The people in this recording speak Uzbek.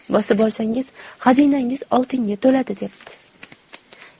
bosib olsangiz xazinangiz oltinga to'ladi debdi